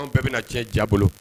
Anw bɛɛ bɛna tiɲɛ ja bolo